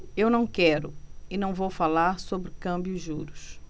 eu não quero e não vou falar sobre câmbio e juros